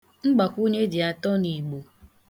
Mgbakwunye dị atọ n' Igbo.